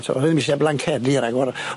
T'o' o'dd e ddim isie blancedi ragor.